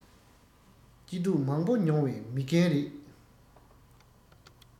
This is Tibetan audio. སྐྱིད སྡུག མང པོ མྱོང བའི མི རྒན རེད